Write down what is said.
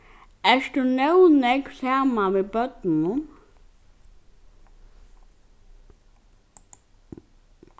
ert tú nóg nógv saman við børnunum